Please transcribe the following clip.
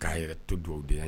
K'a yɛrɛ to don de